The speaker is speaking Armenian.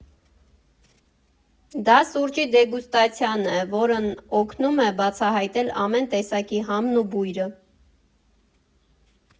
Դա սուրճի դեգուստացիան է, որն օգնում է բացահայտել ամեն տեսակի համն ու բույրը։